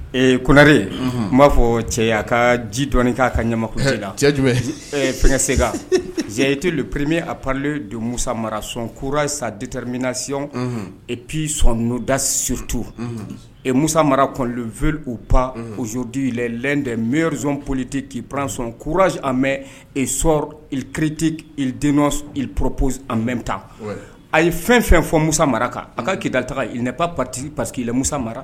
Ee koɛre tun b'a fɔ cɛ a ka ji dɔnni'a ka ɲa la cɛ fɛnkɛse jɛyi te preme a parle don musa mara sɔn saditer min nasi ep sonnda suurtu e musa mara kɔnɔnfi u panzodi de mirizonpolite tɛpson k mɛn e sɔrɔk kiritedporopoli bɛta a ye fɛn fɛn fɔ musa mara kan a ka kiyitadata ip pati paki'la musa mara